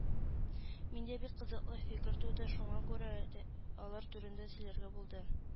Миндә бик кызыклы фикер туды, шуңа күрә дә алар турында сөйләргә булдым